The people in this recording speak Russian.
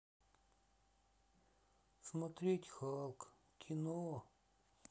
смотреть халк кино